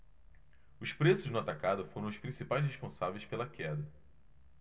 os preços no atacado foram os principais responsáveis pela queda